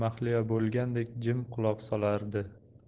mahliyo bo'lgandek jim quloq solardi